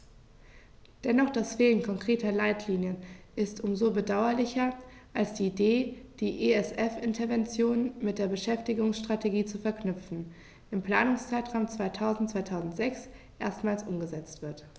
Doch das Fehlen konkreter Leitlinien ist um so bedauerlicher, als die Idee, die ESF-Interventionen mit der Beschäftigungsstrategie zu verknüpfen, im Planungszeitraum 2000-2006 erstmals umgesetzt wird.